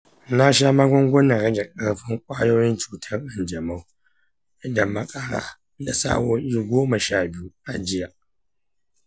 na sha magungunan rage ƙarfin ƙwayoyin cutar kanjamau da makara na sa'o'i goma sha biyu a jiya.